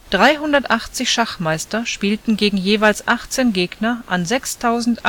380 Schachmeister spielten gegen jeweils 18 Gegner an 6840